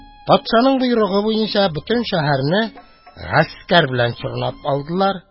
Патшаның боерыгы буенча, бөтен шәһәрне гаскәр белән чорнап алдылар.